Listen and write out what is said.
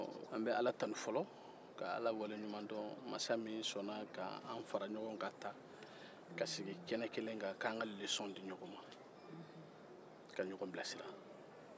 an bɛ ala tanu fɔlɔ masa min sɔnna k'an fara ɲɔgɔan ka ala barika da o min sɔnna k'an fara ɲɔgɔn kan yɔrɔ kelen na walasa ka lesɔnw di ɲɔgɔn ma ani ka ɲɔgɔn bilasira